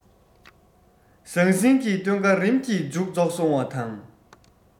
ཟང ཟིང གི སྟོན ཀ རིམ གྱིས མཇུག རྫོགས སོང བ དང